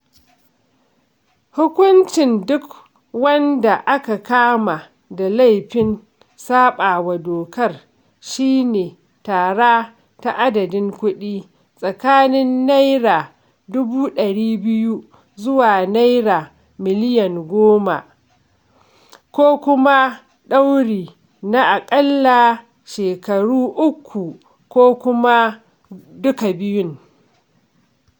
Hukuncin duk wanda aka kama da laifin saɓawa dokar shi ne tara ta adadin kuɗi tsakanin naira 200,000 zuwa naira miliyan 10 [kimanin $556 zuwa $28,000 na dalar Amurka] ko kuma ɗauri na aƙalla shekaru uku ko kuma duka biyun.